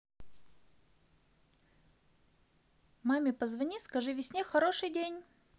маме позвони скажи всене хороший день